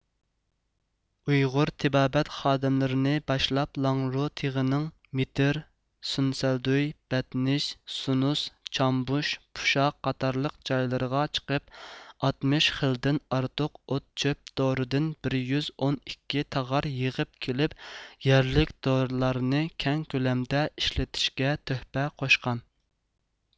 ئۇيغۇر تېبابەت خادىملىرىنى باشلاپ لاڭرۇ تېغىنىڭ مېتىر سۇنسەلدۈي بەتنىش سۇنۇس چامبۇش پۇشا قاتارلىق جايلىرىغا چىقىپ ئاتمىش خىلدىن ئارتۇق ئوت چۆپ دورىدىن بىر يۈز ئون ئىككى تاغار يىغىپ كېلىپ يەرلىك دورىلارنى كەڭ كۆلەمدە ئىشلىتىشكە تۆھپە قوشقان